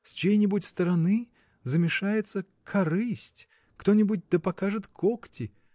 С чьей-нибудь стороны замешается корысть. кто-нибудь да покажет когти.